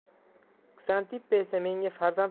ksantippa esa menga farzand